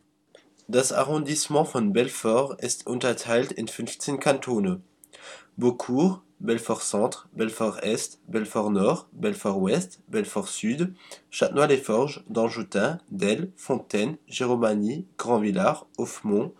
Das Arrondissement von Belfort ist unterteilt in 15 Kantone: Beaucourt Belfort-Centre Belfort-Est Belfort-Nord Belfort-Ouest Belfort-Sud Châtenois-les-Forges Danjoutin Delle Fontaine Giromagny Grandvillars Offemont